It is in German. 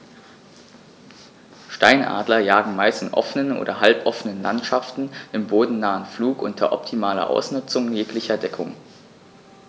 Steinadler jagen meist in offenen oder halboffenen Landschaften im bodennahen Flug unter optimaler Ausnutzung jeglicher Deckung.